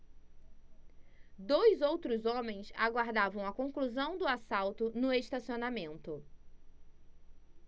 dois outros homens aguardavam a conclusão do assalto no estacionamento